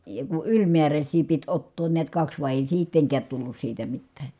ja kun ylimääräisiä piti ottaa näet kaksi vai ei sittenkään tullut siitä mitään